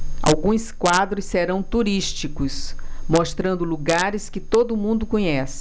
alguns quadros serão turísticos mostrando lugares que todo mundo conhece